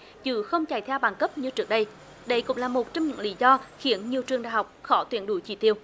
chứ không chạy theo bằng cấp như trước đây đây cũng là một trong những lý do khiến nhiều trường đại học khó tuyển đủ chỉ tiêu